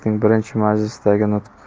senatining birinchi majlisidagi nutq